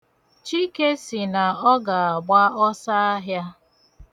Chike sị na ọ ga-agba ọsọahịa.